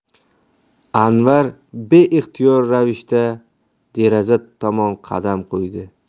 anvar beixtiyor ravishda deraza tomon qadam qo'ydi